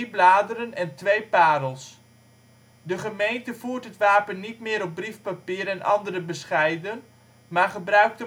bladeren en 2 parels. ' De gemeente voert het wapen niet meer op briefpapier en andere bescheiden, maar gebruikt